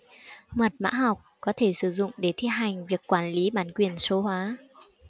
mật mã học có thể sử dụng để thi hành việc quản lý bản quyền số hóa